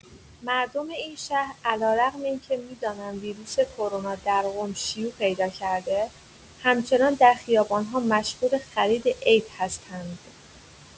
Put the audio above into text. مردم این شهر علیرغم این که می‌دانند ویروس کرونا در قم شیوع پیدا کرده همچنان در خیابان‌ها مشغول خرید عید هستند.